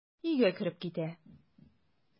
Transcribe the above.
Өйгә кереп китә.